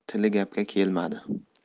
tili gapga kelmadi